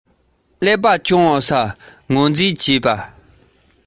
མེད པར མགྲིན པ ནས ཐོན སོང